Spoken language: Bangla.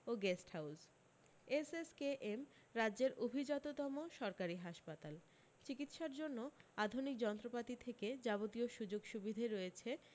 ও গেস্ট হাউজ এসএসকেএম রাজ্যের অভিজাততম সরকারী হাসপাতাল চিকিৎসার জন্য আধুনিক যন্ত্রপাতি থেকে যাবতীয় সু্যোগসুবিধে রয়েছে